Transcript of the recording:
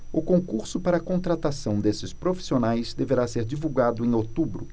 o concurso para contratação desses profissionais deverá ser divulgado em outubro